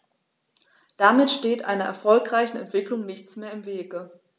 Damit steht einer erfolgreichen Entwicklung nichts mehr im Wege.